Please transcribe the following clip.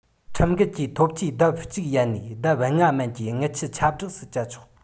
ཁྲིམས འགལ གྱི ཐོབ ཆའི ལྡབ གཅིག ཡན ནས ལྡབ ལྔ མན གྱི དངུལ ཆད ཆབས སྦྲགས སུ བཅད ཆོག